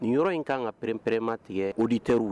Nin yɔrɔ in ka kan ka p-prɛnma tigɛ o deterw ye